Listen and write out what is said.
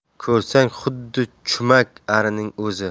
ko'rsang xuddi chumak arining o'zi